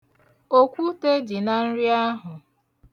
Okwute dị na nri ahụ.